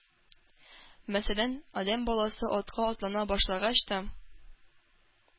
Мәсәлән, адәм баласы атка атлана башлагач та,